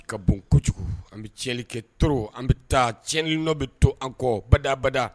Ka bon kojugu an bɛ cɛnli kɛ toro an bɛ taa cɛnɲɛn dɔ bɛ to an kɔ badabada